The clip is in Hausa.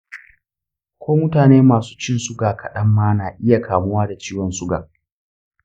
ko mutane masu cin suga kaɗan ma na iya kamuwa da ciwon suga.